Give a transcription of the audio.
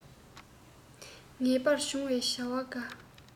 ངེས པར འབྱུང བའི བྱ བ འགའ